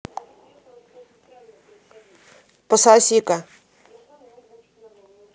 пососи ка